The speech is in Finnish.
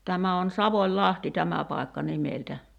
tämä on Savonlahti tämä paikka nimeltä